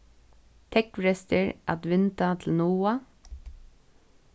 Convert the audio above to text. tógvrestir at vinda til noða